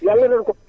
yàlla na nu ko